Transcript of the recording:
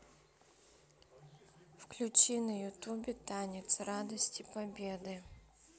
включи в ютубе танец радости победы